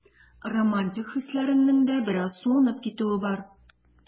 Романтик хисләреңнең дә бераз суынып китүе бар.